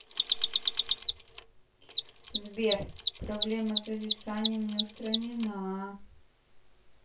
сбер проблема с зависанием не устранена